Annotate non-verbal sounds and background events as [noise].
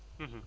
[hesitation] [hesitation]